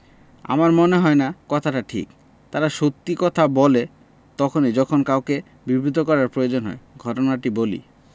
আমার মনে হয় না কথাটা ঠিক তারা সত্যি কথা বলে তখনি যখন কাউকে বিব্রত করার প্রয়োজন হয় ঘটনাটা বলি